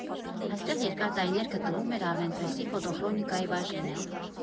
Այստեղ երկար տարիներ գտնվում էր «Արմենպրեսի» ֆոտոխրոնիկայի բաժինը։